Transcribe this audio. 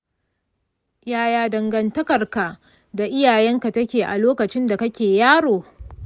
yaya dangantakarka da iyayenka take a lokacin da kake yaro?